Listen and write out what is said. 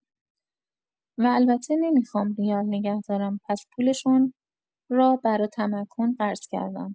و البته نمیخوام ریال نگه دارم پس پولشون را برا تمکن قرض کردم.